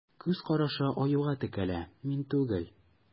Күз карашы Аюга текәлә: мин түгел.